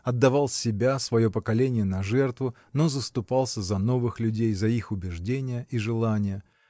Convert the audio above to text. отдавал себя, свое поколение на жертву, -- но заступался за новых людей, за их убеждения и желания